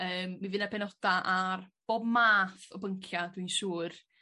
Yym mi fy' 'na benoda' ar bob math o byncia' dwi'n siŵr.